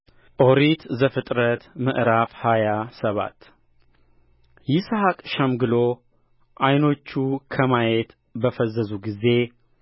ኦሪት ዘፍጥረት ምዕራፍ ሃያ ሰባት ይስሐቅ ሸምግሎ ዓይኖቹ ከማየት በፈዘዙ ጊዜ